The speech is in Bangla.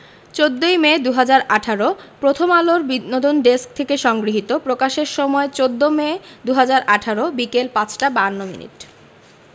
১৪ই মে ২০১৮ প্রথমআলোর বিনোদন ডেস্কথেকে সংগ্রহীত প্রকাশের সময় ১৪মে ২০১৮ বিকেল ৫টা ৫২ মিনিট